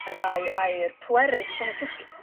Y ddau air pwerus 'de jys' g-